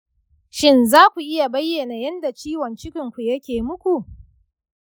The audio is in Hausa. shin za ku iya bayyana yadda ciwon cikinku yake muku?